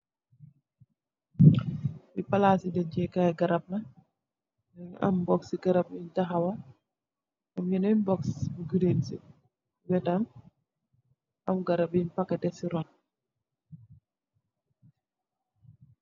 Li palasi denj chee kai garap la am box si garap bunj takhawal am box bu green si wetam am garap yunj packet si ruun